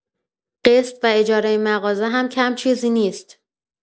قسط و اجاره مغازه هم کم چیزی نیست.